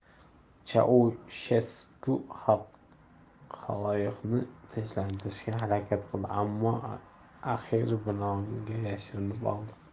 chaushesku xaloyiqni tinchlantirishga harakat qildi ammo axiyri binoga yashirinib oldi